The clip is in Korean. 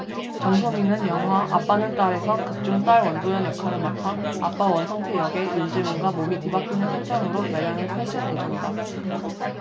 정소민은 영화 아빠는 딸에서 극 중 딸 원도연 역할을 맡아 아빠 원상태 역의 윤제문과 몸이 뒤바뀌는 설정으로 열연을 펼칠 예정이다